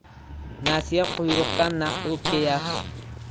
nasiya quyruqdan naqd o'pka yaxshi